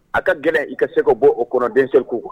A ka gɛlɛn i ka se ka bɔ o kɔrɔ denmisɛnninku